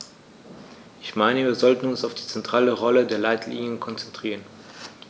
Ich meine, wir sollten uns auf die zentrale Rolle der Leitlinien konzentrieren.